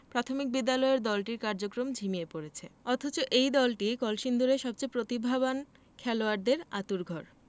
প্রাথমিক বিদ্যালয়ের দলটির কার্যক্রম ঝিমিয়ে পড়েছে অথচ এই দলটিই কলসিন্দুরের সবচেয়ে প্রতিভাবান খেলোয়াড়দের আঁতুড়ঘর